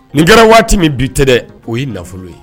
Nin kɛra waati min bi tɛ dɛ o ye nafolo ye